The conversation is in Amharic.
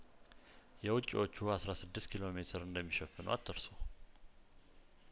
የውጭዎቹ አስራ ስድስት ኪሎ ሜትር እንደሚሸፍኑ አትርሱ